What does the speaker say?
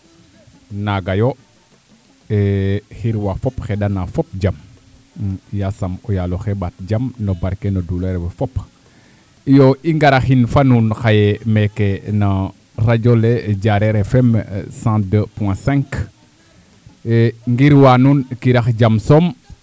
naaga yo xirwa fop xeɗana fop jam yaasam o yaal oxe ɓaat jam no barke no duleer we fop iyo i ngarahin fa nuun xaye meeke no radio Diarere FM 102 point 5 ngirwa nuun a kirax jam soom